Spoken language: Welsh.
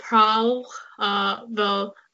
prawch a fel